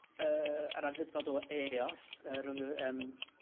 yr anghydfod o Eos, yy rwng yr yym